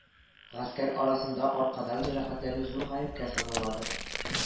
Гаскәр арасында аркадан җәрәхәтләнү зур гаепкә саналадыр